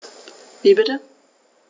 Wie bitte?